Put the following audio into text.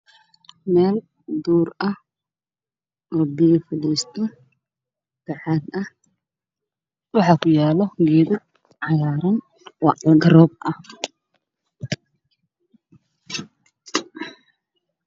Meel duur ah oo bacaad ah waxaa ku yaalo geedo cagaaran